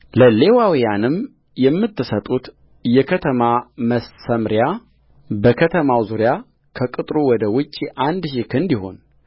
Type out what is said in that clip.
ለሌዋውያንም የምትሰጡት የከተማ መሰምርያ በከተማው ዙሪያ ከቅጥሩ ወደ ውጭ አንድ ሺህ ክንድ ይሁን